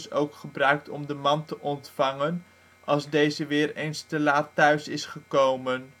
ook gebruikt om de man te ontvangen als deze weer eens te laat thuis is gekomen